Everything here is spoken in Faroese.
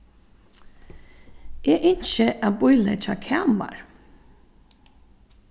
eg ynski at bíleggja kamar